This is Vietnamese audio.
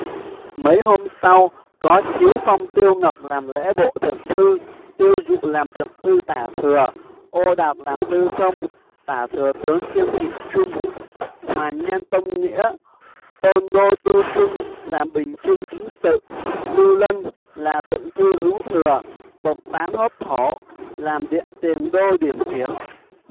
mấy hôm sau có chiếu phong tiêu ngọc làm lễ bộ thượng thư tiêu dụ làm thượng thư tả thừa ô đạt làm tư không tả thừa tướng kiêm thị trung hoàn nhan tông nghĩa ôn đô tư trung là bình chương chính sự lưu lân là thượng thư hữu thừa bộc tán hốt thổ làm điện tiền đô điểm kiểm